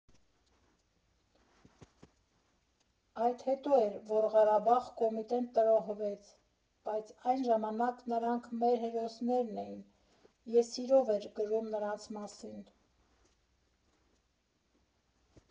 Այդ հետո էր, որ «Ղարաբաղ» կոմիտեն տրոհվեց, բայց այն ժամանակ նրանք մեր հերոսներն էին, ես սիրով էի գրում նրանց մասին։